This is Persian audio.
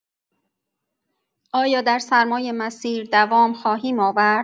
آیا در سرمای مسیر دوام خواهیم آورد؟